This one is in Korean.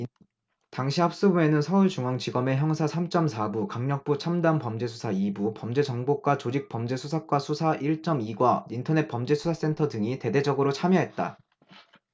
당시 합수부에는 서울중앙지검의 형사 삼 쩜 사 부 강력부 첨단범죄수사 이 부 범죄정보과 조직범죄수사과 수사 일 쩜 이 과 인터넷범죄수사센터 등이 대대적으로 참여했다